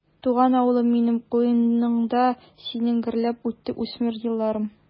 Туган авылым минем, куеныңда синең гөрләп үтте үсмер елларым.